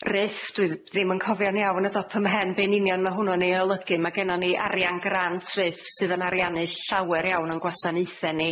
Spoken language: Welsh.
RIF, dwi dd- ddim yn cofio'n iawn o dop ym mhen be' yn union ma' hwnnw'n ei olygu. Ma' gennon ni arian grant RIF sydd yn ariannu llawer iawn o'n gwasanaethe ni